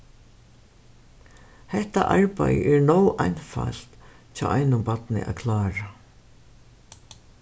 hetta arbeiðið er nóg einfalt hjá einum barni at klára